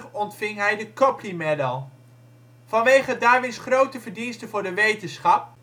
ontving hij de Copley Medal. Vanwege Darwins grote verdiensten voor de wetenschap